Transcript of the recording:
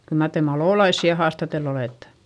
kyllä mar te malolaisia ja haastatellut olette